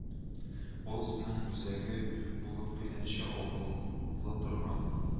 Волстьнең үзәге булып Келәнче авылы торган